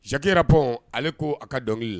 Zanakiera panɔn ale ko a ka dɔnkilikili la